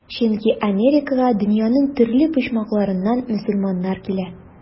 Чөнки Америкага дөньяның төрле почмакларыннан мөселманнар килә.